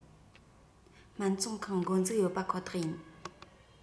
སྨན ཚོང ཁང འགོ འཛུགས ཡོད པ ཁོ ཐག ཡིན